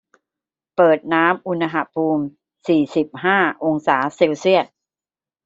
เปิดน้ำอุณหภูมิสี่สิบห้าองศาเซลเซียส